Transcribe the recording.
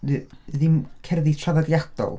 ..Dd- Ddim cerddi traddodiadol.